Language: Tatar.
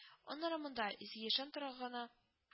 Аннары монда изге ишан торганы